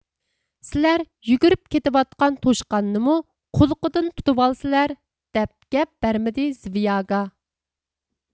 سىلەر يۈگۈرۈپ كېتىۋاتقان توشقاننىمۇ قۇلىقىدىن تۇتۇۋالىسىلەر دەپ گەپ بەرمىدى زىۋياگا